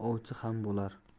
ovchi ham bo'lar